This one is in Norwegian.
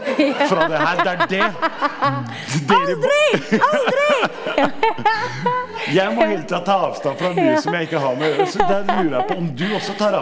ja aldri aldri ja ja ja ja .